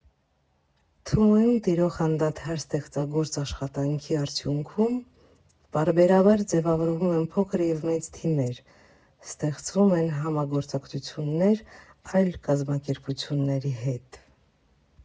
Թումոյում տիրող անդադար ստեղծագործ աշխատանքի արդյունքում պարբերաբար ձևավորվում են փոքր և մեծ թիմեր, ստեղծվում են համագործակցություններ այլ կազմակերպությունների հետ։